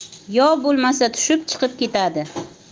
yo bo'lmasa tushib chiqib ketadi